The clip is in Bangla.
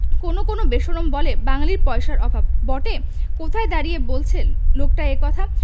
কোনো কোনো বেশরম বলে বাঙালীর পয়সার অভাব বটে কোথায় দাঁড়িয়ে বলছে লোকটা এ কথা